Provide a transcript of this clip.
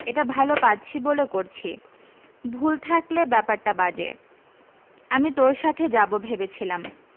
এটা ভালো পাচ্ছি বলে করছি ভুল থাকলে ব্যাপারটা বাজে আমি তোর সাথে যাবো ভেবেছিলাম